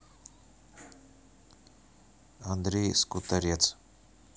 андрей скуторец